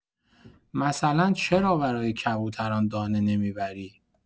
مثلا چرا برای کبوتران دانه نمی‌بری؟